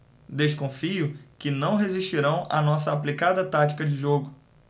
desconfio que não resistirão à nossa aplicada tática de jogo